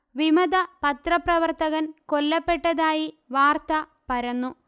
വിമത പത്രപ്രവർത്തകൻകൊല്ലപ്പെട്ടതായി വാർത്ത പരന്നു